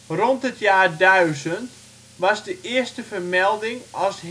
Rond het jaar 1000 was de eerste vermelding als